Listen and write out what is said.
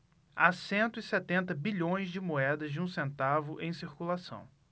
há cento e setenta bilhões de moedas de um centavo em circulação